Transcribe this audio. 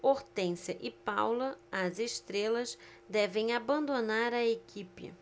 hortência e paula as estrelas devem abandonar a equipe